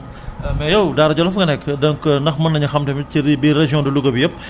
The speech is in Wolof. mais yow Daara Djolof nga nekk donc ndax mën nañu xam tamit ci biir région de Louga bi yépp